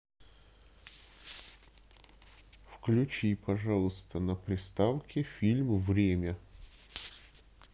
включи пожалуйста на приставке фильм время